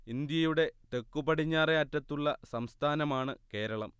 ഇന്ത്യയുടെ തെക്കുപടിഞ്ഞാറെ അറ്റത്തുള്ള സംസ്ഥാനമാണ് കേരളം